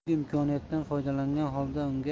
bugungi imkoniyatdan foydalangan holda unga